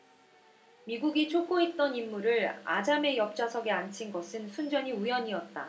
미국이 쫓고 있던 인물을 아잠의 옆좌석에 앉힌 것은 순전히 우연이었다